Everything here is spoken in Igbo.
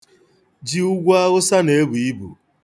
Ji ugwuawụsa na-ebu ibu.